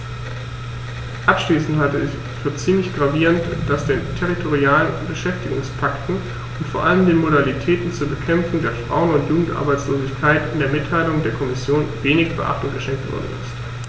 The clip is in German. Abschließend halte ich es für ziemlich gravierend, dass den territorialen Beschäftigungspakten und vor allem den Modalitäten zur Bekämpfung der Frauen- und Jugendarbeitslosigkeit in der Mitteilung der Kommission wenig Beachtung geschenkt worden ist.